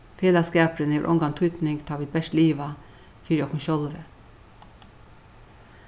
felagsskapurin hevur ongan týdning tá vit bert liva fyri okkum sjálvi